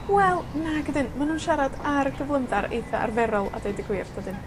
Wel, nag ydyn. Ma' nw'n siarad ar gyflymdar eitha arferol, a deud y gwir, dydyn?